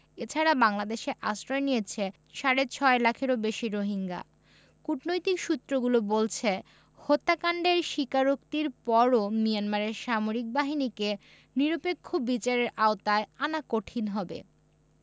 এ ছাড়া বাংলাদেশে আশ্রয় নিয়েছে সাড়ে ছয় লাখেরও বেশি রোহিঙ্গা কূটনৈতিক সূত্রগুলো বলছে হত্যাকাণ্ডের স্বীকারোক্তির পরও মিয়ানমারের সামরিক বাহিনীকে নিরপেক্ষ বিচারের আওতায় আনা কঠিন হবে